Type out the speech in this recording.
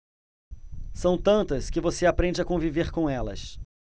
são tantas que você aprende a conviver com elas